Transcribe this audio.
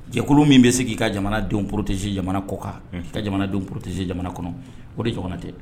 Jɛkulu min bɛ sigi' ka jamanadenw porotesi jamana kɔ kan ka jamanadenw porotesesi jamana kɔnɔ o de jna tɛ